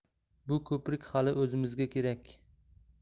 bu ko'prik hali o'zimizga kerak